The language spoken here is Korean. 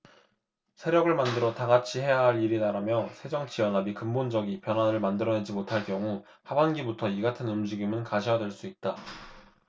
세력을 만들어 다같이 해야할 일이다라며 새정치연합이 근본적이 변화를 만들어내지 못할 경우 하반기부터 이같은 움직임은 가시화될 수 있다